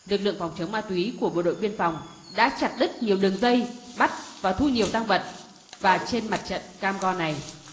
lực lượng phòng chống ma túy của bộ đội biên phòng đã chặt đứt nhiều đường dây bắt và thu nhiều tang vật và trên mặt trận cam go này